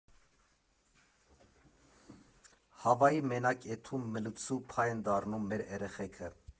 Հավայի մենակ էթում մլիցու փայ են դառնում մեր էրեխեքը։